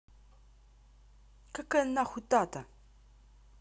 какая нахуй та та